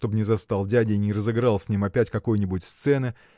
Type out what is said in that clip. чтоб не застал дядя и не разыграл с ним опять какой-нибудь сцены